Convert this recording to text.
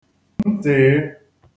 ntị̀yi